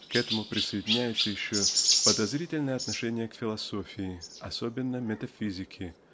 к этому присоединяется еще подозрительное отношение к философии особенно метафизике